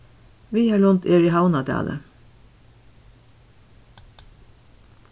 viðarlund er í havnardali